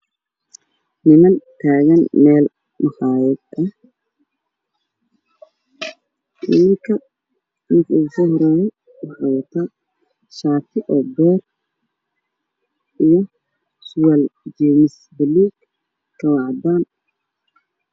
Waa niman oo taagan meel maqaayad ninka usoo horeeya wuxuu wataa shaati oo beer kuwa kale dharka ay wateen